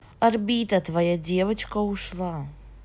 орбита твоя девочка ушла